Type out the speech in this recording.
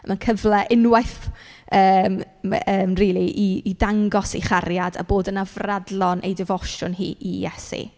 Mae'n cyfle unwaith ff- yym my- yym rili i i i dangos ei chariad a bod yn afradlon, ei defosiwn hi i Iesu.